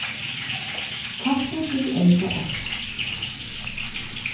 kaffi gevur eyka orku